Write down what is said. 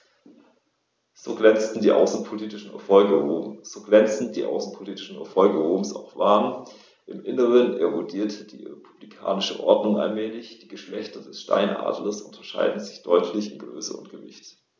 So glänzend die außenpolitischen Erfolge Roms auch waren: Im Inneren erodierte die republikanische Ordnung allmählich. Die Geschlechter des Steinadlers unterscheiden sich deutlich in Größe und Gewicht.